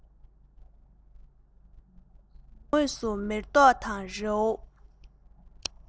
གྱང ངོས སུ མེ ཏོག དང རི བོ